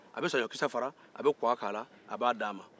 a bɛ saɲɔkisɛ fara a bɛ kɔgɔ kɛ a la a b'a di a ma